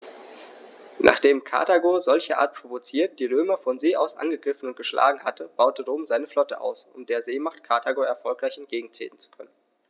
Nachdem Karthago, solcherart provoziert, die Römer von See aus angegriffen und geschlagen hatte, baute Rom seine Flotte aus, um der Seemacht Karthago erfolgreich entgegentreten zu können.